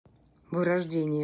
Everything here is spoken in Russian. вырождение